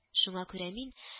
Шуңа күрә мин